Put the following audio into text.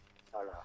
voilà